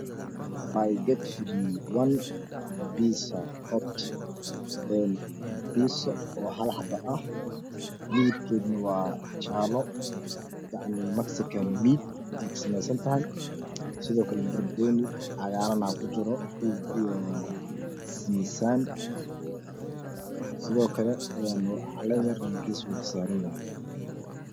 My get free one bizza opt biitso oo hal xaba ah midabkedana waa jaalo maksikaan miit eey kasamaysantahay sidookale barbarooni cagaranaa kujiro iyo simsan sidokale calenyara geesuu kasaranyahay